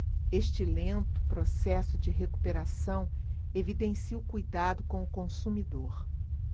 este lento processo de recuperação evidencia o cuidado com o consumidor